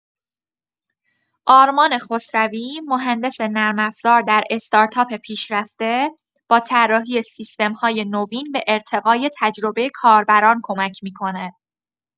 آرمان خسروی، مهندس نرم‌افزار در استارتاپ پیشرفته، با طراحی سیستم‌های نوین به ارتقای تجربه کاربران کمک می‌کند.